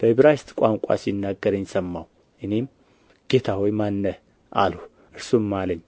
በዕብራይስጥ ቋንቋ ሲናገረኝ ሰማሁ እኔም ጌታ ሆይ ማንነህ አልሁ እርሱም አለኝ